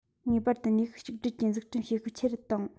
ངེས པར དུ ནུས ཤུགས གཅིག བསྒྲིལ གྱིས འཛུགས སྐྲུན བྱེད ཤུགས ཆེ རུ བཏང